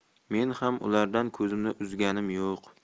men ham ulardan ko'zimni uzganim yo'q